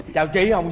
chào chị hồng vân